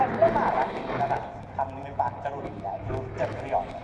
Penbleth arall i ni yn yr ardd, pan 'yn ni'n mynd bant ar wylie, yw'r dyfrio.